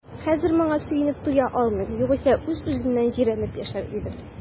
Хәзер моңа сөенеп туя алмыйм, югыйсә үз-үземнән җирәнеп яшәр идем.